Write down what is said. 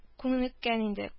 Күнеккән инде